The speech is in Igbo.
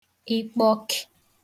ịkpọkị̄